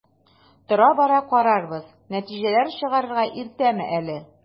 Тора-бара карарбыз, нәтиҗәләр чыгарырга иртәме әле?